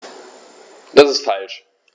Das ist falsch.